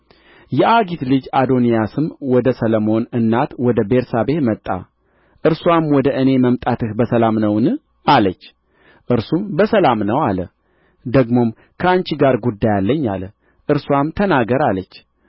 የአጊት ልጅ አዶንያስም ወደ ሰሎሞን እናት ወደ ቤርሳቤህ መጣ እርስዋም ወደ እኔ መምጣትህ በሰላም ነውን አለች እርሱም በሰላም ነው አለ ደግሞም ከአንቺ ጋር ጉዳይ አለኝ አለ እርስዋም ተናገር አለች